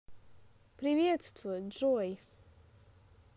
приветствую джой